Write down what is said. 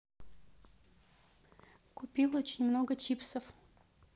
купил очень много чипсов